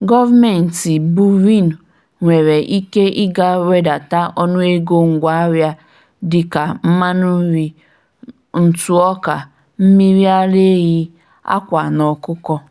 Gọọmenti Brunei nwere ike ịga wedata ọnụ ego ngwa nri dị ka mmanụ nri, ntụ ọka, mmiri ara ehi, akwa na ọkụkọ.